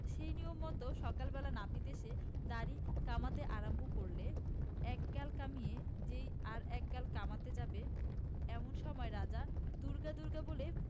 সেই নিয়ম মত সকাল বেলা নাপিত এসে দাড়ি কামাতে আরম্ভ করলে এক গাল কামিয়ে যেই আর এক গাল কামাতে যাবে এমন সময় রাজা দুর্গা দুর্গা বলে